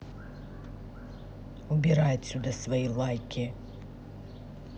убирай отсюда все свои лайки